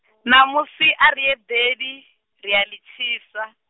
ṋamusi ari edeḽi, ri ali tshisa.